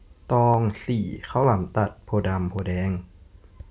ตองสี่ข้าวหลามตัดโพธิ์ดำโพธิ์แดง